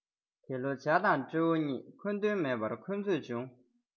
འདི ལོ བྱ དང སྤྲེའུ གཉིས འཁོན དོན མེད པར འཁོན རྩོད བྱུང